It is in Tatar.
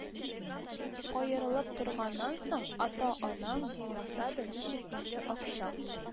Аерылып торганнан соң, ата-анаң булмаса да, ничек инде акчаң